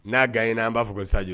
N'a ganyna an b'a fɔ ko sa